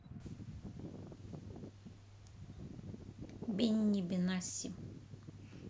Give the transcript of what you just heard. бенни бенасси